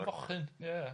A'r bochyn ie.